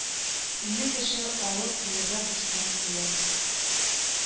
Илле кеше алып килергә кушкан иделәр